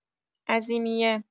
عظیمیه